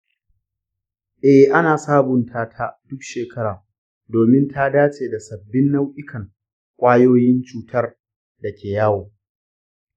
eh, ana sabunta ta duk shekara domin ta dace da sabbin nau’ikan ƙwayoyin cutar da ke yawo.